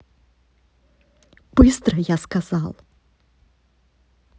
быстро я сказал